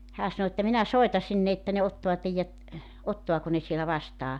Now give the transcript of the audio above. hän sanoi että minä soitan sinne että ne ottaa teidät ottaako ne siellä vastaan